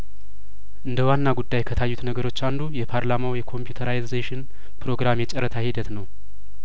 እንደ ዋና ጉዳይ ከታዩት ነገሮች አንዱ የፓርላማው የኮምፒውተራይዜሽን ፕሮግራም የጨረታ ሂደት ነው